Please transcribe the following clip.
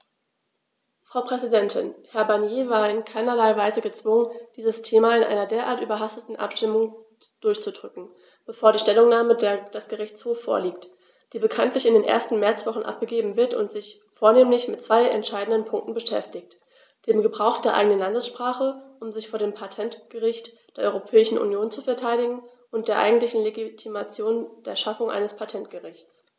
Frau Präsidentin, Herr Barnier war in keinerlei Weise gezwungen, dieses Thema in einer derart überhasteten Abstimmung durchzudrücken, bevor die Stellungnahme des Gerichtshofs vorliegt, die bekanntlich in der ersten Märzwoche abgegeben wird und sich vornehmlich mit zwei entscheidenden Punkten beschäftigt: dem Gebrauch der eigenen Landessprache, um sich vor dem Patentgericht der Europäischen Union zu verteidigen, und der eigentlichen Legitimität der Schaffung eines Patentgerichts.